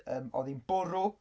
Yym oedd hi'n bwrw.